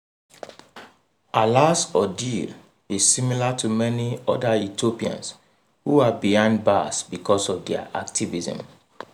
Alaa's ordeal is similar to many other Egyptians who are behind bars because of their activism.